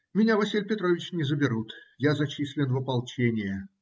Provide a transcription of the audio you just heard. - Меня, Василий Петрович, не заберут: я зачислен в ополчение.